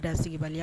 Da sigibali